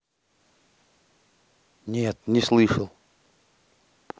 нет не слышал